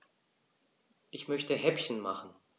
Ich möchte Häppchen machen.